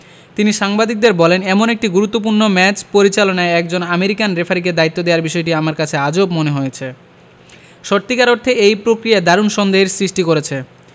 তিনি সাংবাদিকদের বলেন এমন একটি গুরুত্বপূর্ণ ম্যাচ পরিচালনায় একজন আমেরিকান রেফারিকে দায়িত্ব দেয়ার বিষয়টি আমার কাছে আজব মনে হয়েছে সত্যিকার অর্থে এই প্রক্রিয়ায় দারুণ সন্দেহের সৃষ্টি করেছে